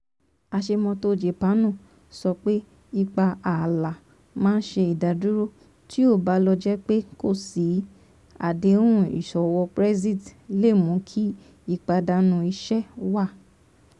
Aṣemọ́tò Jàpáàanù sọ pé ipa ààlà máa ṣe ìdádúró tí ó bá lọ jẹ́ pé kò sí àd’hpùn ìṣòwò Brexit lẹ́ mú kí ìpàdánù iṣẹ́ wà.